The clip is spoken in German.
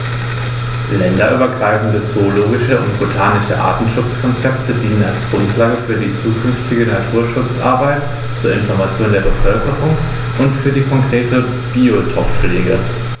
Länderübergreifende zoologische und botanische Artenschutzkonzepte dienen als Grundlage für die zukünftige Naturschutzarbeit, zur Information der Bevölkerung und für die konkrete Biotoppflege.